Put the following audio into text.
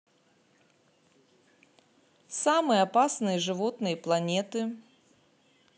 самые опасные животные планеты